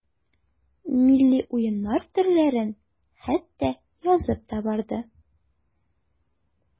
Милли уеннар төрләрен хәтта язып та барды.